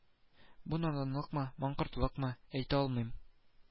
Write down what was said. Бу наданлыкмы, маңкортлыкмы, әйтә алмыйм